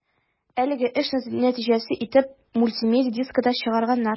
Әлеге эш нәтиҗәсе итеп мультимедия дискы да чыгарганнар.